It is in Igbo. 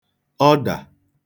ọdà